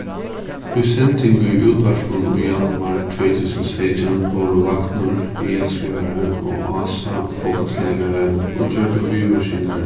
í sending í útvarpinum í januar tvey túsund og seytjan vóru vagnur aðalskrivari og ása fótbóltsleikari og gjørdu viðmerkingar